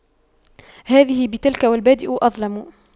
هذه بتلك والبادئ أظلم